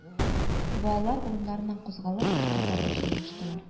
Балалар, урыннарыннан кузгалып, утка таба җыелыштылар